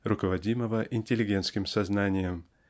руководимого интеллигентским сознанием